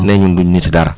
ne ñun du ñu nitu dara